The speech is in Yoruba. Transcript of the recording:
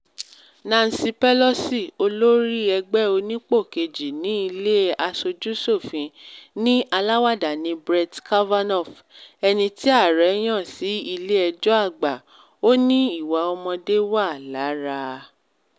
Nancy Pelosi, Olórí Ẹgbẹ́ Onípò Kejì ní Ilé aṣojú-ṣòfin, ní ‘aláwàdà’ ni Brett Kavanaugh, eni tí ààre yàn sí Ilé-ẹjọ́ Àgbà. Ó ní ìwà ọmọdé wà làráà.